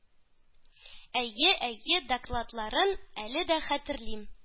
Әйе, әйе, докладларын, әле дә хәтерлим.